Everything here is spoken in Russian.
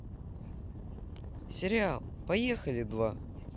сериал поехали два